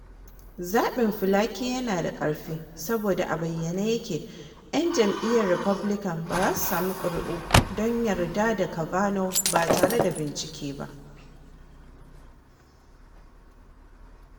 Zaɓin Flake yana da ƙarfi, saboda a bayyane yake ‘yan jam’iyyar Republican ba za su sami ƙuri’u don yarda da Kavanaugh ba tare da bincike ba.